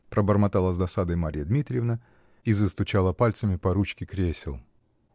-- пробормотала с досадой Марья Дмитриевна и застучала пальцами по ручке кресла.